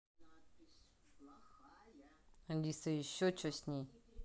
алиса и еще че с ней